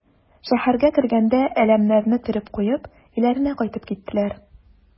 Шәһәргә кергәндә әләмнәрне төреп куеп өйләренә кайтып киттеләр.